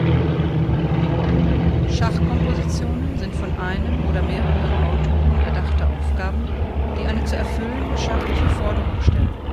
Schachkompositionen sind von einem oder mehreren Autoren erdachte Aufgaben, die eine zu erfüllende schachliche Forderung stellen